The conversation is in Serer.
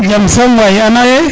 jam som way ano ye